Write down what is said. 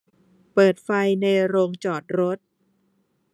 เปิดไฟในโรงจอดรถ